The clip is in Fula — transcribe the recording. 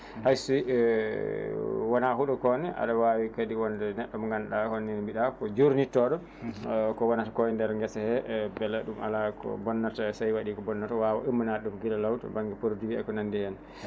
hayso wona huuɗo kone aɗa wawi tawi kadi wonde neɗɗo mo gannduɗa woni ni mbiɗa ko jurnittoɗo ko wpona ta ko e nder geesa he beele ɗum ala ko bonnataso tawi waɗi ko bonnata wawa immande ɗum giila law to banŋge produit e ko nanndi heen